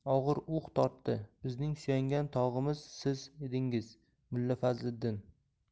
tortdi bizning suyangan tog'imiz siz edingiz mulla fazliddin